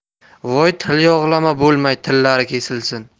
voy tilyog'lama bo'lmay tillari kesilsin